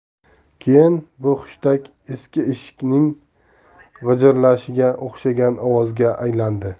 keyin bu hushtak eski eshikning g'ijirlashiga o'xshagan ovozga aylandi